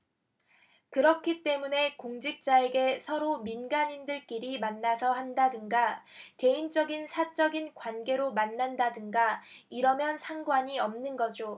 그렇기 때문에 공직자에게 서로 민간인들끼리 만나서 한다든가 개인적인 사적인 관계로 만난다든가 이러면 상관이 없는 거죠